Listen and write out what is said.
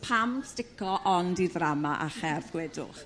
Pam stico ond i ddrama a cherdd gwedwch?